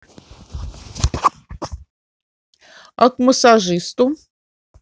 а к массажисту